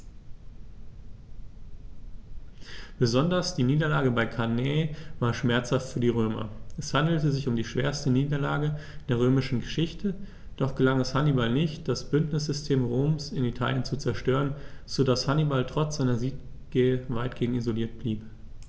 Besonders die Niederlage bei Cannae war schmerzhaft für die Römer: Es handelte sich um die schwerste Niederlage in der römischen Geschichte, doch gelang es Hannibal nicht, das Bündnissystem Roms in Italien zu zerstören, sodass Hannibal trotz seiner Siege weitgehend isoliert blieb.